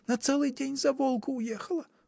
на целый день за Волгу уехала!